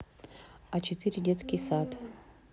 а четыре детский сад